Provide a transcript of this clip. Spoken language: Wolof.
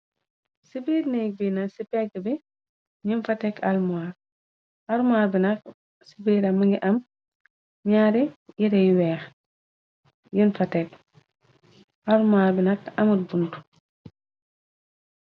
Ci biir nekk bi na ci pegg bi nim fa teg almoir armoa bi nak ci biiram ngi am gñaare yerey weex yin fa tekg armoi bi nak amut buntu.